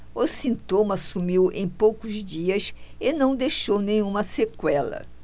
o sintoma sumiu em poucos dias e não deixou nenhuma sequela